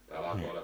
niin